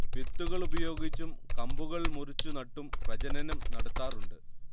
വിത്തുകളുപയോഗിച്ചും കമ്പുകൾ മുറിച്ചു നട്ടും പ്രജനനം നടത്താറുണ്ട്